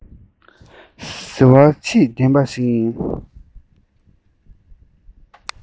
གཟི བརྗིད ལྡན པ ཞིག ཡིན